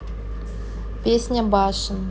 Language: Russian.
песня башен